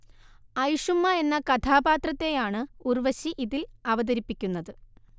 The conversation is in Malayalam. ഐഷുമ്മ എന്ന കഥാപാത്രത്തെയാണ് ഉർവശി ഇതിൽ അവതരിപ്പിക്കുന്നത്